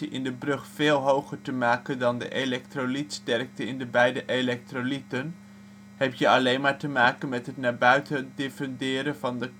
in de brug veel hoger te maken dan de elektrolietsterkte in de beide elektrolieten heb je alleen maar te maken met het naar buiten diffunderen van de